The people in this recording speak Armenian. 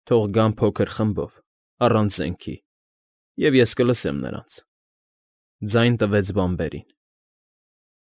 Թող գան փոքր խմբով, առանց զենքի, և ես կլսեմ նրանց…֊ ձայն տվեց բանբերին։